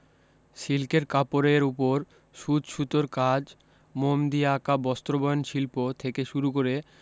সিল্কের কাপড়ের উপর সূচসূতোর কাজ মোম দিয়ে আঁকা বস্ত্রবয়ন শিল্প থেকে শুরু করে